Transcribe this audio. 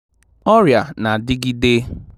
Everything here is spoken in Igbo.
Ọrịa Na-Adịgide